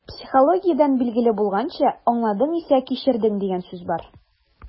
Психологиядән билгеле булганча, «аңладың исә - кичердең» дигән сүз бар.